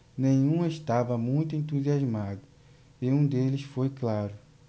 nenhum estava muito entusiasmado e um deles foi claro